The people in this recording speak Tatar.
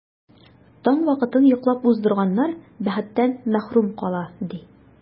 Таң вакытын йоклап уздырганнар бәхеттән мәхрүм кала, ди.